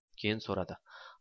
keyin so'radi